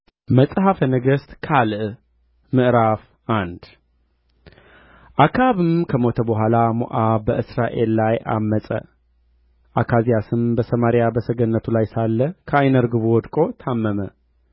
መጽሐፈ ነገሥት ካልዕ ምዕራፍ አንድ አክዓብም ከሞተ በኋላ ሞዓብ በእስራኤል ላይ ዐመፀ አካዝያስም በሰማርያ በሰገነቱ ላይ ሳለ ከዓይነ ርግቡ ወድቆ ታመመ